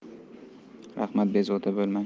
rahmat bezovta bo'lmang